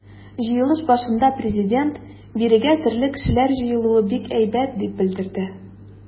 Җыелыш башында Президент: “Бирегә төрле кешеләр җыелуы бик әйбәт", - дип белдерде.